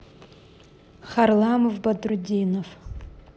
харламов батрутдинов